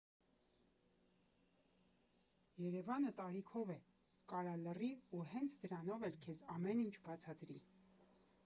Երևանը տարիքով է, կարա լռի ու հենց դրանով էլ քեզ ամեն ինչ բացատրի։